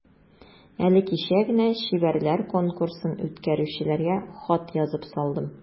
Әле кичә генә чибәрләр конкурсын үткәрүчеләргә хат язып салдым.